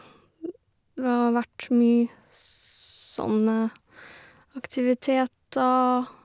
Vi har jo vært mye sånne aktiviteter.